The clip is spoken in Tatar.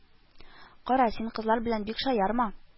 Кара, син кызлар белән бик шаярма